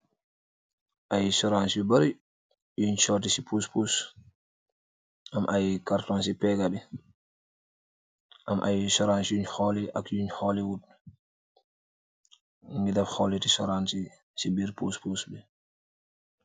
Ay sorange yu bari yun sorti ci pospus am ay carton ci pegga bi am ay sorange yun xooli ak yun xollywood ngi daf xooliti soransi ci biir puspus bi.